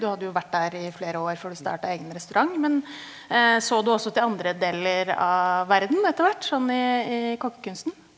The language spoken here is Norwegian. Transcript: du hadde jo vært der i flere år før du starta egen restaurant, men så du også til andre deler av verden etter hvert sånn i i kokkekunsten?